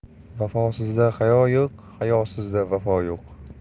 vafosizda hayo yo'q hayosizda vafo yo'q